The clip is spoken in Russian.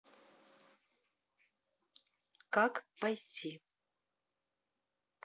как пойти